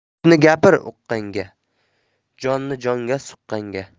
gapni gapir uqqanga jonni jonga suqqanga